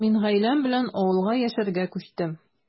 Мин гаиләм белән авылга яшәргә күчтем.